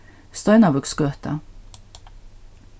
steinavíksgøta